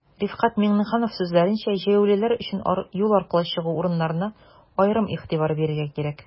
Рифкать Миңнеханов сүзләренчә, җәяүлеләр өчен юл аркылы чыгу урыннарына аерым игътибар бирергә кирәк.